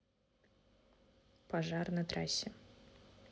пожар на трассе